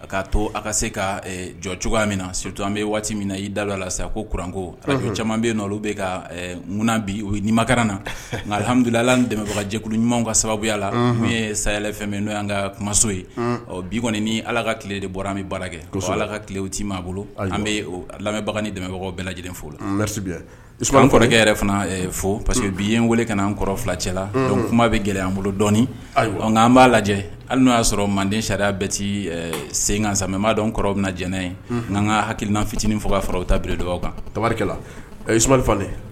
A k ka to a ka se ka jɔ cogoya min na sto an bɛ waati min na y'i da dɔ la sa ko kuranko caman bɛ yen nɔn olu bɛ ka munna bi o ni makaran na nkagahamdula dɛmɛbagajɛkulu ɲuman ka sababuya la n ye saya n'o y' ka kumaso ye ɔ bi kɔni ni ala ka tile de bɔra an bɛ baara kɛ to ala ka tilele te m' bolo an bɛ lamɛnbaga ni dɛmɛbagaw bɛɛ lajɛlen fɔlɔ kɔrɔkɛ yɛrɛ fana fo parce que bi ye weele kaan kɔrɔ fila cɛla la kuma bɛ gɛlɛya an bolo dɔni an b'a lajɛ hali n'o y'a sɔrɔ manden sariya bɛɛti sen kan sa mɛ m dɔn kɔrɔ bɛna na jɛnɛ ye n'an ka hakilikilina fitinin fo'a sɔrɔ bɛ taa dugawu kan tarikɛlasu falen